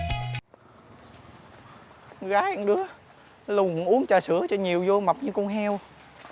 con gái con đứa lùn uống trà sữa cho nhiều dô mập như con heo